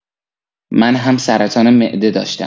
من هم سرطان معده داشتم